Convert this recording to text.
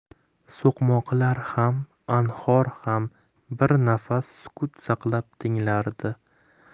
s'oqmoqlar ham anhor ham bir nafas sukut saqlab tinglardi